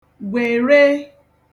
gwère